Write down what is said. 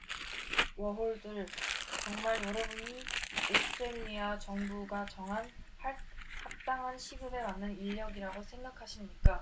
워홀들 정말 여러분이 오스트레일리아 정부가 정한 합당한 시급에 맞는 인력이라고 생각하십니까